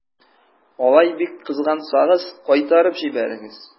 Алай бик кызгансагыз, кайтарып җибәрегез.